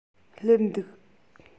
སླེབས འདུག